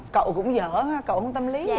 cậu cũng dở ha cậu hông tâm lý